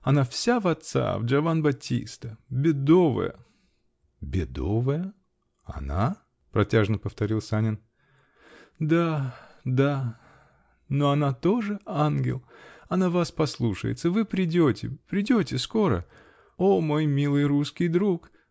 Она вся в отца, в Джиован Баттиста! Бедовая !-- Бедовая? она?. -- протяжно повторил Санин. -- Да. да. но она тоже ангел. Она вас послушается. Вы придете, придете скоро? О мой милый русский друг!